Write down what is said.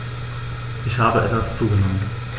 Ich habe etwas zugenommen